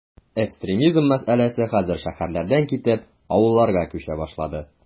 Экстремизм мәсьәләсе хәзер шәһәрләрдән китеп, авылларга “күчә” башлады.